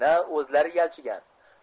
na o'zlari yolchigan